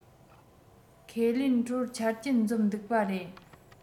ཁས ལེན དྲོར ཆ རྐྱེན འཛོམས འདུག པ རེད